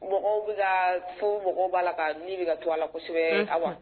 Mɔgɔw bɛ fo mɔgɔw b'a la ka ni bɛ ka to a la kosɛbɛ a wa